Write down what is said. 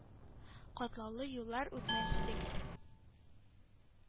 Катлаулы юллар үтмәс идек...